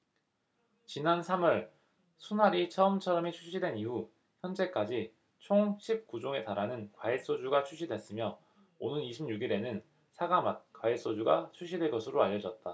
지난 삼 월 순하리 처음처럼이 출시된 이후 현재까지 총 십 구 종에 달하는 과일소주가 출시됐으며 오는 이십 육 일에는 사과맛 과일소주가 출시될 것으로 알려졌다